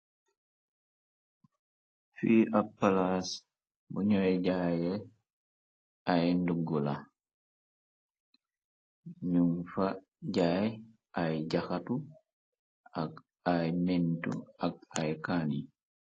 Fi ak palaas buñooy jaaye ay nduggu la num fa jaay ay jaxatu ay mentu ak ay kaan yi.